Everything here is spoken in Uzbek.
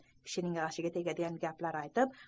kishining g'ashiga tegadigan gaplar aytib